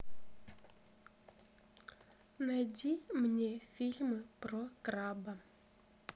найди мне фильмы про краба